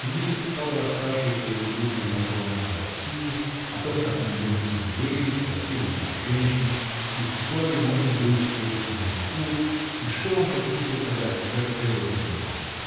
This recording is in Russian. Эмиль стал расспрашивать своего друга и патрона о России, о том, как там дерутся на дуэли, и красивы ли там женщины, и скоро ли можно выучиться русскому языку, и что он почувствовал, когда офицер целился в него?